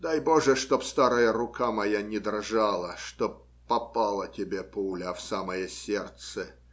Дай боже, чтоб старая рука моя не дрожала, чтобы попала тебе пуля в самое сердце.